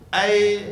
Ayi